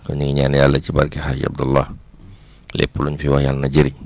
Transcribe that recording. kon ñu ngi ñaan yàlla ci barke Hadj Abdalah lépp luñ fi wax yàl na jëriñ